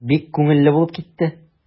Бик күңелле булып китте.